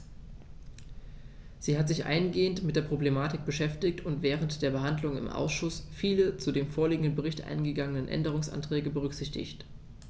Sie hat sich eingehend mit der Problematik beschäftigt und während der Behandlung im Ausschuss viele zu dem vorliegenden Bericht eingegangene Änderungsanträge berücksichtigt.